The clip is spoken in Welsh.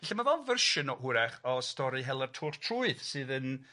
Felly ma' fel fersiwn o hwyrach o stori hela'r twrch trwyth sydd yn ...